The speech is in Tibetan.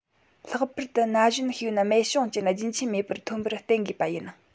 ལྷག པར དུ ན གཞོན ཤེས ཡོན རྨད བྱུང ཅན རྒྱུན ཆད མེད པར ཐོན པར བརྟེན དགོས པ ཡིན